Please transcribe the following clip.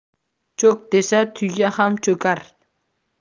cho'k desa tuya ham cho'kar